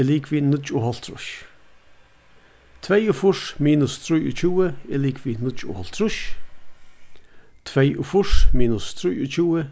er ligvið níggjuoghálvtrýss tveyogfýrs minus trýogtjúgu er ligvið níggjuoghálvtrýss tveyogfýrs minus trýogtjúgu